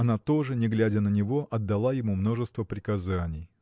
она, тоже не глядя на него, отдала ему множество приказаний.